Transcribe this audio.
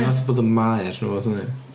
Fatha bod o'n maer neu rywbeth yndi.